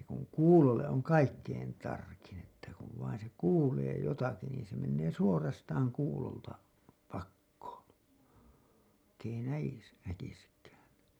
se kun kuulolle on kaikkein tarkin että kun vain se kuulee jotakin niin se menee suorastaan kuulolta pakoon vaikka ei - näkisikään